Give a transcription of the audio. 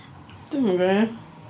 Dwi'm yn gwbod, ia.